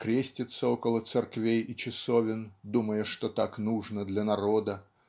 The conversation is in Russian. крестится около церквей и часовен думая что так нужно для народа